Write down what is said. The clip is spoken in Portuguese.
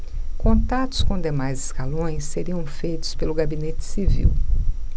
contatos com demais escalões seriam feitos pelo gabinete civil